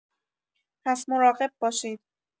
پس مراقب باشید.